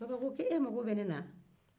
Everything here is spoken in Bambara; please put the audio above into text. baba ko e mago bɛ ne na